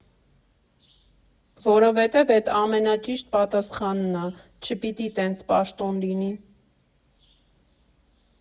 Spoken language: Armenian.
Որովհետև էդ ամենաճիշտ պատասխանն ա, չպիտի տենց պաշտոն լինի։